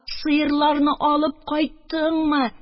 Сыерларны алып кайттыңмы